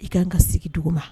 I ka kan n ka sigi dugu ma